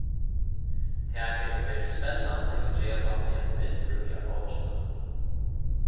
tað hevur verið spennandi og gevandi at myndprýða bókina